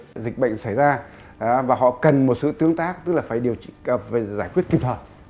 dịch bệnh xảy ra à họ cần một sự tương tác tức là phải điều trị cả về giải quyết kịp thời